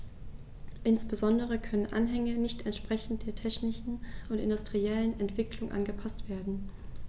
Insbesondere können Anhänge nicht entsprechend der technischen und industriellen Entwicklung angepaßt werden.